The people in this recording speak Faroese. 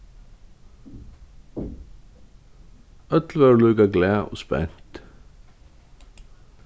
øll vóru líka glað og spent